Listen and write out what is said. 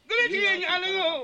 Den jigi ala